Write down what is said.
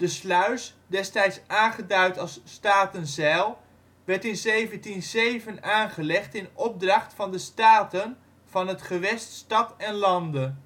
sluis, destijds aangeduid als Statenzijl, werd in 1707 aangelegd in opdracht van de Staten van het gewest Stad en Lande